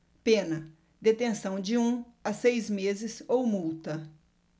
pena detenção de um a seis meses ou multa